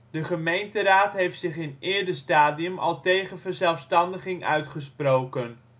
De gemeenteraad heeft zich in eerder stadium al tegen verzelfstandiging uitgesproken